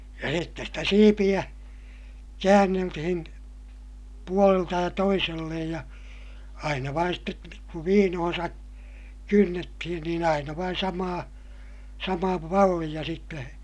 ja sitten sitä siipeä käänneltiin puolelta ja toiselle ja aina vain sitten kun viinoonsa kynnettiin niin aina vain samaa samaa mallia sitten